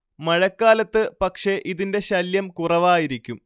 മഴക്കാലത്ത് പക്ഷേ ഇതിന്റെ ശല്യം കുറവായിരിക്കും